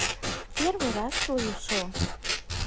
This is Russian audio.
в первый раз слышу